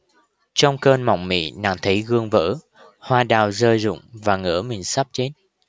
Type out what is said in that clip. trong cơn mộng mị nàng thấy gương vỡ hoa đào rơi rụng và ngỡ mình sắp chết